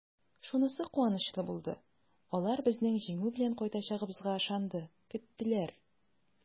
Шунысы куанычлы булды: алар безнең җиңү белән кайтачагыбызга ышанды, көттеләр!